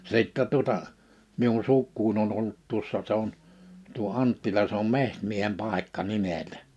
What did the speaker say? sitten tuota minun sukuani on ollut tuossa se on tuo Anttila se on Metsämiehen paikka nimeltä